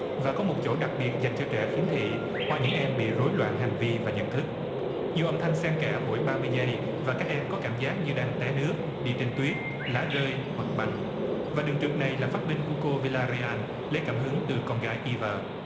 và có một chỗ đặc biệt dành cho trẻ khiếm thị qua những em bị rối loạn hành vi và nhận thức nhiều âm thanh xen kẽ mỗi ba mươi giây và các em có cảm giác như đang té nước đi trên tuyết lá rơi hoặc băng và đường trượt này là phát minh của cô vê la ri an lấy cảm hứng từ con gái y vờ